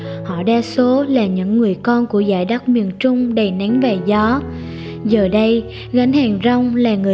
họ đa số là những người con của dãy đất miền trung đầy nắng và gió giờ đây gánh hàng rong là người bạn duy nhất